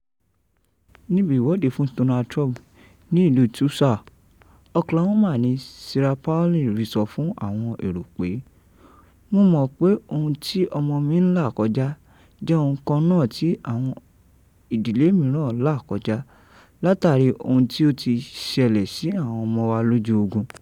Níbi ìwọ́de fún Donald Trump ní ìlú Tulsa, Oklahoma ni Sarah Palin rí sọ fún àwọn èrò pé “Mo mọ̀ pé ohun tí ọmọ mi ń là kọjá jẹ́ ohun kan náà tí àwọn ìdílé mìíràn là kọjá látàrí ohun tí ó ṣẹlẹ̀ sí àwọn ọmọ wa lójú ogun“